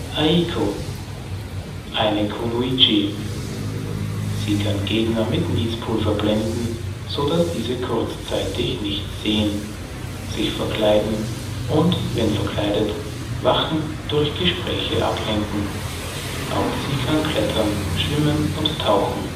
Aiko: Eine Kunoichi. Sie kann Gegner mit Niespulver blenden, sodass diese kurzzeitig nichts sehen, sich verkleiden und – wenn verkleidet – Wachen durch Gespräche ablenken. Auch sie kann klettern, schwimmen und tauchen